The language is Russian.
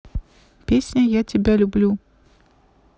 песня я тебя люблю